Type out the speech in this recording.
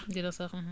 dina sax